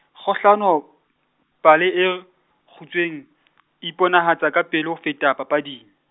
kgohlano pale e kgutshweng , e iponahatsa kapele ho feta papading.